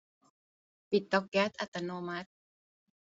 ปิดเตาแก๊สอัตโนมัติ